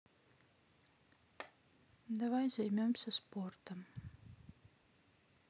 давай займемся спортом